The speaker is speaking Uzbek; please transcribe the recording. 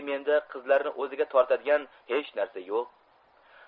menda qizlarni o'ziga tortadigan hech narsa yo'q